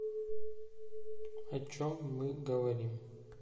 а чем мы говорим